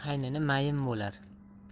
qaynini mayin bo'lar